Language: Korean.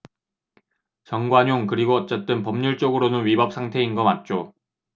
정관용 그리고 어쨌든 법률적으로는 위법 상태인 거 맞죠